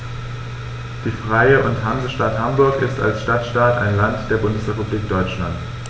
Die Freie und Hansestadt Hamburg ist als Stadtstaat ein Land der Bundesrepublik Deutschland.